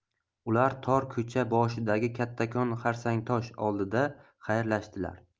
ular tor ko'cha boshidagi kattakon xarsangtosh oldida xayrlashdilar